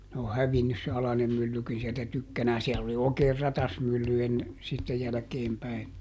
ne on hävinnyt se alainen myllykin sieltä tykkänään siellä oli oikein ratasmylly ennen sitten jälkeen päin